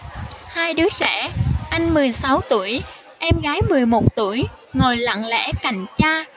hai đứa trẻ anh mười sáu tuổi em gái mười một tuổi ngồi lặng lẽ cạnh cha